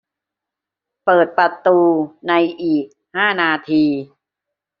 เปิดประตูในอีกห้านาที